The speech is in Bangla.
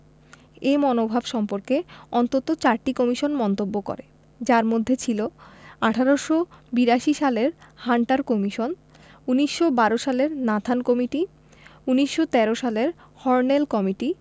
এ মনোভাব সম্পর্কে অন্তত চারটি কমিশন মন্তব্য করে যার মধ্যে ছিল ১৮৮২ সালের হান্টার কমিশন ১৯১২ সালের নাথান কমিটি ১৯১৩ সালের হর্নেল কমিটি